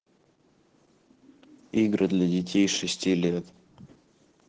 игры для детей шести лет